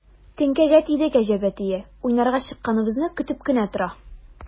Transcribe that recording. Теңкәгә тиде кәҗә бәтие, уйнарга чыкканыбызны көтеп кенә тора.